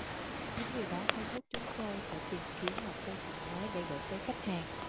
chính điều đó thôi thúc chúng tôi phải tìm kiếm một câu chuyện mới để gửi tới khách hàng